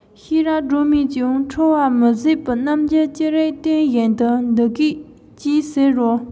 ཤེས རབ སྒྲོལ མས ཀྱང ཁྲོ བ མི ཟད པའི རྣམ འགྱུར ཅི རིགས སྟོན བཞིན དུ འདི སྐད ཅེས ཟེར རོ